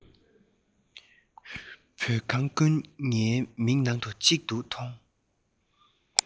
བོད ཁང ཀུན ངའི མིག ནང དུ གཅིག ཏུ མཐོང